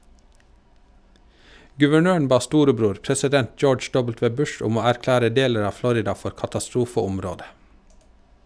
Guvernøren ba storebror, president George W. Bush, om å erklære deler av Florida for katastrofeområde.